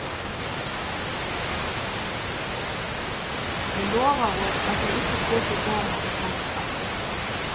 tey lovaðu at tey ikki skuldu koma ov seint aftur